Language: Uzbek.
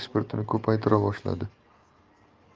shakar eksportini ko'paytira boshladi